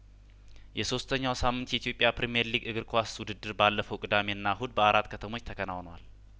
የሶስተኛው ሳምንት የኢትዮጵያ ፕሪምየር ሊግ እግር ኳስ ውድድር ባለፈው ቅዳሜና እሁድ በአራት ከተሞች ተከናውኗል